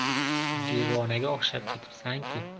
devonaga o'xshab ketibsanku